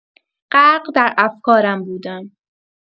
غرق در افکارم بودم.